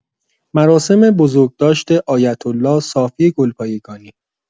مراسم بزرگداشت آیت‌الله صافی گلپایگانی